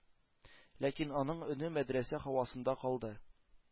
Ләкин аның өне мәдрәсә һавасында калды.